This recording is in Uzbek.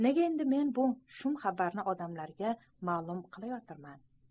nega endi men bu shum xabarni odamlarga ma'lum qilayotirman